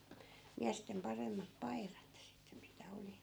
miesten paremmat paidat sitten mitä oli